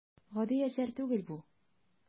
Гади әсәр түгел бу.